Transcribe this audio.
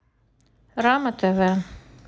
рама тв